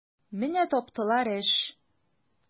Менә таптылар эш!